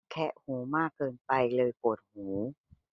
แคะหูมากเกินไปเลยปวดหู